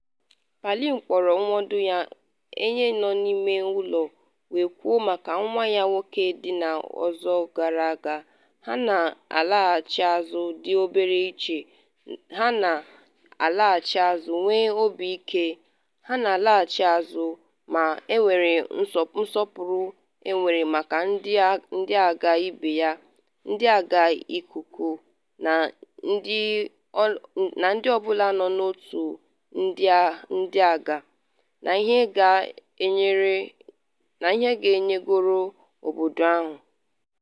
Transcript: Palin kpọrọ nwudo ya ‘enyi nọ n’ime ụlọ” wee kwuo maka nwa ya nwoke na ndị ọzọ gara agha, ha na-alaghachi azụ dị obere iche, ha na-alaghachi azụ nwee obi ike, ha na-alaghachi na-ajụ ma enwere nsọpụrụ enwere maka ndị agha ibe ya, ndị agha ikuku, na ndị ọ bụla nọ n’otu ndị agha, n’ihe ha nyegoro obodo ha.”